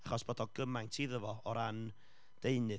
achos bod o gymaint iddo fo o ran deunydd. Ti'n gwbod